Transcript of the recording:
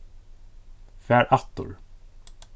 far aftur